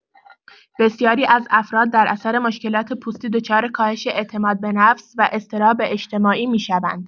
بسیاری از افراد در اثر مشکلات پوستی دچار کاهش اعتمادبه‌نفس و اضطراب اجتماعی می‌شوند.